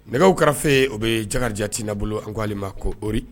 Nɛgɛ kɛrɛfɛfe o bɛ jaja'ina bolo an k koale ma koori